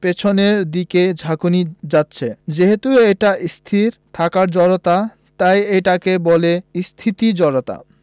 পেছনের দিকে ঝাঁকুনি খাচ্ছে যেহেতু এটা স্থির থাকার জড়তা তাই এটাকে বলে স্থিতি জড়তা